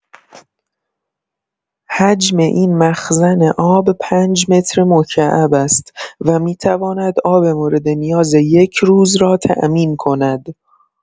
حجم این مخزن آب پنج مترمکعب است و می‌تواند آب مورد نیاز یک روز را تأمین کند.